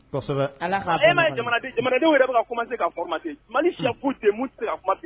Kosɛbɛ, Ala k'a bɛ nɔgɔya, e ma ye jamanadenw yɛrɛ bɛ ka commencer ka formater Mali siya fosi tɛ yen min tɛ ka kuma bi